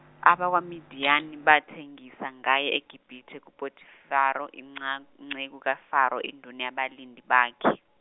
AbakwaMidiyani bathengisa ngaye eGibithe kuPotifaro inxa- inceku kaFaro induna yabalindi bakhe.